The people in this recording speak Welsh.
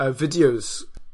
yy fideos